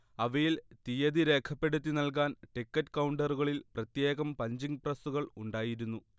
അവയിൽ തിയ്യതി രേഖപ്പെടുത്തി നൽകാൻ ടിക്കറ്റ് കൗണ്ടറുകളിൽ പ്രത്യേകം പഞ്ചിങ് പ്രസ്സുകൾ ഉണ്ടായിരുന്നു